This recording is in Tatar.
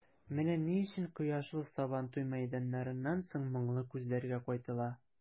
Менә ни өчен кояшлы Сабантуй мәйданнарыннан соң моңлы күзләргә кайтыла.